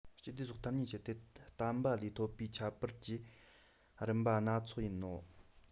སྤྱི སྡེ སོགས ཐ སྙད སྤྱད དེ བསྟན པ ལས ཐོབ པའི ཁྱད པར གྱི རིམ པ སྣ ཚོགས ཡིན ནོ